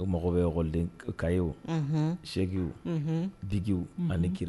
Ko mago bɛ yɔrɔlen kayo sɛkiw dw ani kiiri